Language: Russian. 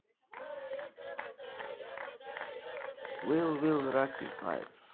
ви вил рак ю файв